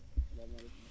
salaamaaleykum